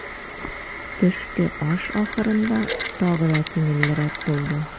Төшке аш ахырында тагы да күңеллерәк булды.